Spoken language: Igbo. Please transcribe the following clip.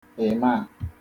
ị̀mā